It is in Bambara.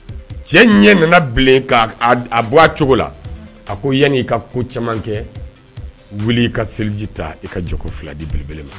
Cɛ ɲɛ nana bilen ka a bɔ a cogo la a ko yanani i ka ko caman kɛ wuli i ka seliji ta i ka jo fila di bbele ma